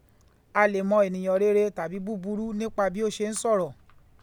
A lè mọ ènìyàn rere tàbí búburú nípa bí ó ṣe ń sọ̀rọ̀.